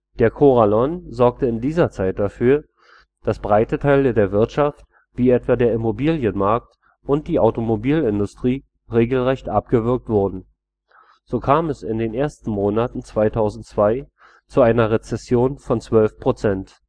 Der Corralón sorgte in dieser Zeit dafür, dass breite Teile der Wirtschaft wie etwa der Immobilienmarkt und die Automobilindustrie regelrecht abgewürgt wurden. So kam es in den ersten Monaten 2002 zu einer Rezession von 12%